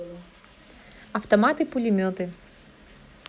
автоматы пулеметы